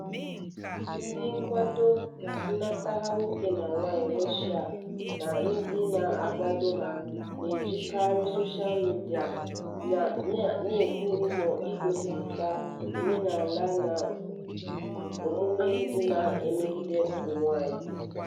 Ndị nkwado nhatanha nwoke na nwaanyị Russia na ndị na-akwado ha na-ejikarị soshal midịa na ịkwa emo egosipụta omenala na omume ndị na-emegide ụmụnwaanyị.